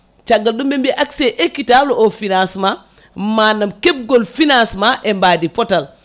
caggal ɗum ɓe mbi accé équitable au financement manam kebgol financement mbadi pootal